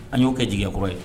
An y'o kɛ jigi kɔrɔkɔrɔ ye